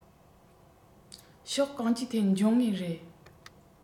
ཕྱོགས གང ཅིའི ཐད འབྱུང ངེས རེད